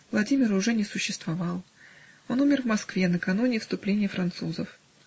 Владимир уже не существовал: он умер в Москве, накануне вступления французов.